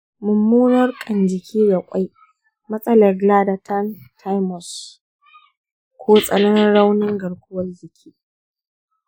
mummunar ƙan-jiki ga kwai, matsalar glandan thymus, ko tsananin raunin garkuwar jiki.